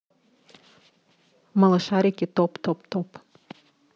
малышарики топ топ топ